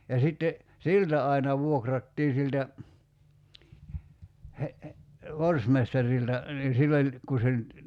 ja sitten siltä aina vuokrattiin siltä - forstmestarilta niin sillä oli kun se nyt